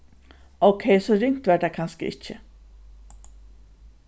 ókey so ringt var tað kanska ikki